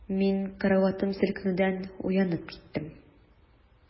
Мин караватым селкенүдән уянып киттем.